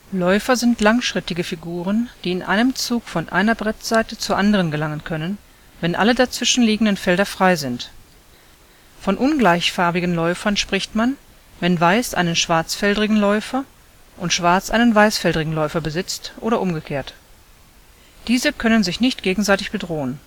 Läufer sind langschrittige Figuren, die in einem Zug von einer Brettseite zur anderen gelangen können, wenn alle dazwischenliegenden Felder frei sind. Von ungleichfarbigen Läufern spricht man, wenn Weiß einen schwarzfeldrigen Läufer und Schwarz einen weißfeldrigen Läufer besitzt oder umgekehrt. Diese können sich nicht gegenseitig bedrohen